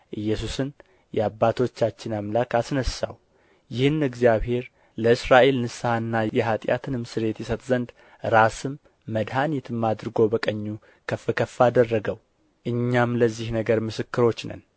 ኢየሱስን የአባቶቻችን አምላክ አስነሣው ይህን እግዚአብሔር ለእስራኤል ንስሐን የኃጢአትንም ስርየት ይሰጥ ዘንድ ራስም መድኃኒትም አድርጎ በቀኙ ከፍ ከፍ አደረገው እኛም ለዚህ ነገር ምስክሮች ነን